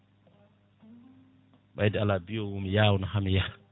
mbayde ala mbiyowomi yawno haami yaaha